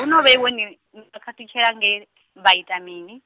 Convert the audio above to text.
huno vhoiwe ni, n- vha khathutshela nge , vha ita mini?